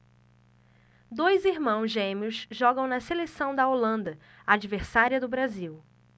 dois irmãos gêmeos jogam na seleção da holanda adversária do brasil